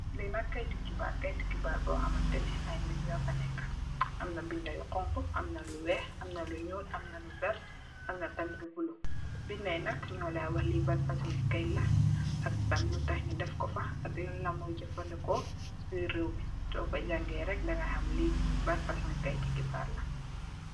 Lii nak keiti khibarr la, keiti khibarr bor hamanteh neh aiiy nitt njur fa neka, amna binda yu honhu, amna lu wekh, amna lu njull, amna lu vert, amna tamit lu bleu, binda yii nak njur lai wakh lii ban fasoni keit la ak tam lutakh nju def kor fa, ak lan lamoi jeufandehkor cii birr rewmi, sorkor jaangeh rek danga ham lii ban fason keiti khibarr la.